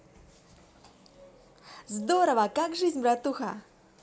здорово как жизнь братуха